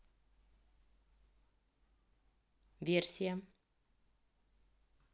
версия